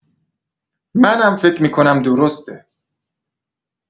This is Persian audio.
منم فکر می‌کنم درسته.